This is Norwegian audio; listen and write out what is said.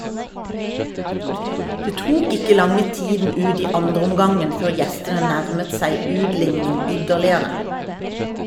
Det tok ikke lange tiden ut i andreomgangen før gjestene nærmet seg utlikning ytterligere.